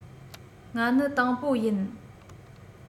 ང ནི དང པོ ཡིན